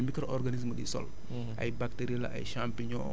loolu lañu naan les microorganismes du sol